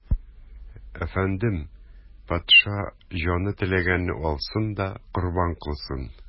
Әфәндем, патша, җаны теләгәнне алсын да корбан кылсын.